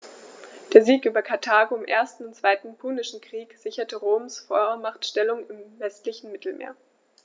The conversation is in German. Der Sieg über Karthago im 1. und 2. Punischen Krieg sicherte Roms Vormachtstellung im westlichen Mittelmeer.